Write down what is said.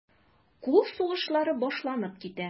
Кул сугышлары башланып китә.